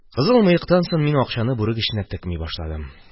Кызыл мыектан соң мин акчаны бүрек эченә текми башладым.